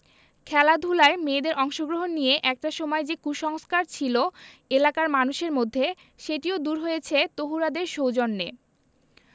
খেলাধুলায় মেয়েদের অংশগ্রহণ নিয়ে একটা সময় যে কুসংস্কার ছিল এলাকার মানুষের মধ্যে সেটিও দূর হয়েছে তহুরাদের সৌজন্যে